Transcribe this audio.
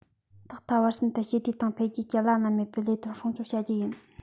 ཐོག མཐའ བར གསུམ དུ ཞི བདེ དང འཕེལ རྒྱས ཀྱི བླ ན མེད པའི ལས དོན སྲུང སྐྱོང བྱ རྒྱུ ཡིན